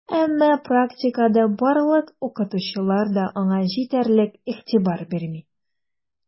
Әмма практикада барлык укытучылар да аңа җитәрлек игътибар бирми: